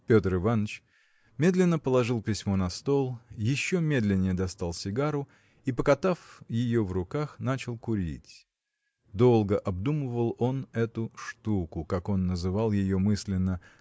Петр Иваныч медленно положил письмо на стол еще медленнее достал сигару и покатав ее в руках начал курить. Долго обдумывал он эту штуку как он называл ее мысленно